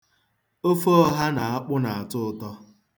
Ofe ọha na akpụ na-atọ ụtọ.